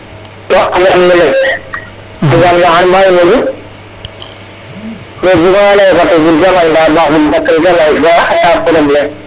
*